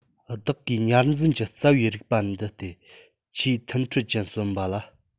བདག གིས ཉར འཛིན གྱི རྩ བའི རིགས པ འདི སྟེ ཆེས མཐུན འཕྲོད ཅན གསོན པ ལ